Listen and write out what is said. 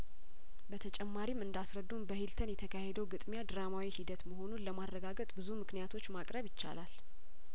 በተጨማሪም እንዳስረዱን በሂልተን የተካሄደው ግጥሚያድራማዊ ሂደት መሆኑን ለማረጋገጥ ብዙ ምክንያቶች ማቅረብ ይቻላል